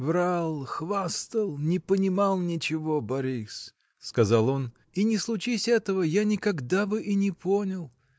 — Врал, хвастал, не понимал ничего, Борис, — сказал он, — и не случись этого. я никогда бы и не понял.